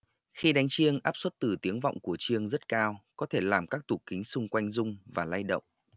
khi đánh chiêng áp suất từ tiếng vọng của chiêng rất cao có thể làm các tủ kính xung quanh rung và lay động